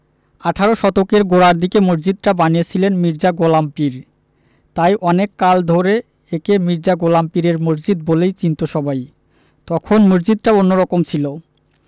আঠারো শতকের গোড়ার দিকে মসজিদটা বানিয়েছিলেন মির্জা গোলাম পীর তাই অনেক কাল ধরে একে মির্জা গোলাম পীরের মসজিদ বলেই চিনতো সবাই তখন মসজিদটা অন্যরকম ছিল